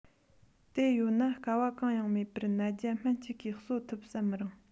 དེ ཡོད ན དཀའ བ གང ཡང མེད པར ནད བརྒྱ སྨན གཅིག གིས གསོ ཐུབ བསམ མི རུང